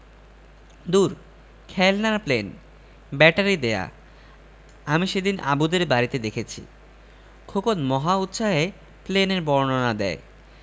দূর খেলনার plane battery দেয়া আমি সেদিন আবুদের বাড়িতে দেখেছি খোকন মহা উৎসাহে প্লেনের বর্ণনা দেয়